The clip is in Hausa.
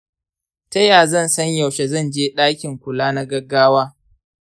ta ya zan san yaushe zanje ɗakin kula na gaggawa?